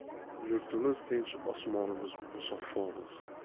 yurtimiz tinch osmonimiz musaffo bo'lsin